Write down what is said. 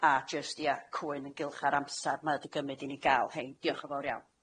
A jyst ia, cwyn yn gylch â'r amsar mae o 'di gymyd i ni ga'l hein. Diolch yn fawr iawn.